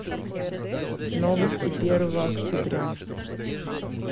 новости первого октября